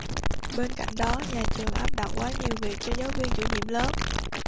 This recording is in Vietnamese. bên cạnh đó nhà trường áp đặt quá nhiều việc cho giáo viên chủ nhiệm lớp